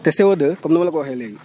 te CO2 comme ni ma la ko waxee léegi